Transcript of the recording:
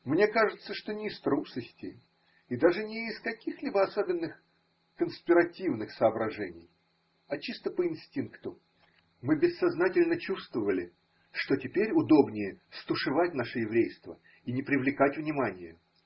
Мне кажется, что не из трусости и даже не из каких-либо особенных конспиративных соображений, а чисто по инстинкту: мы бессознательно чувствовали, что теперь удобнее стушевать наше еврейство и не привлекать внимания.